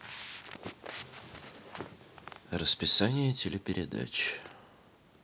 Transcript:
расписание телепередач